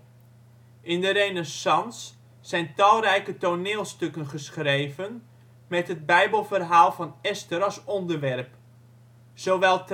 In de renaissance zijn talrijke toneelstukken geschreven met het Bijbelverhaal van Esther als onderwerp. Zowel tragedies